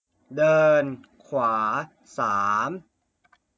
เดินขวาสาม